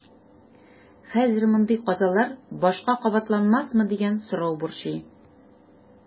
Хәзер мондый казалар башка кабатланмасмы дигән сорау борчый.